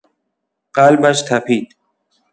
قلبش تپید.